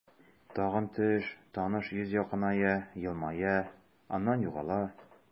Тагын төш, таныш йөз якыная, елмая, аннан югала.